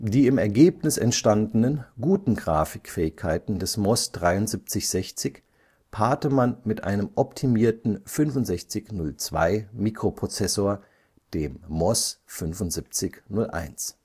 Die im Ergebnis entstandenen guten Grafikfähigkeiten des MOS 7360 paarte man mit einem optimierten 6502-Mikroprozessor, dem MOS 7501